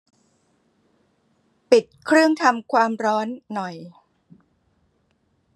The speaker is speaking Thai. ปิดเครื่องทำร้อนหน่อย